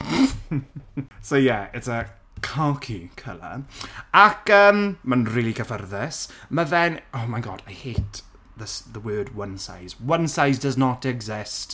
so ie it's a khaki colour ac yym mae'n rili cyfforddus ma' fe'n oh my god, I hate this... the word one size, one size does not exist.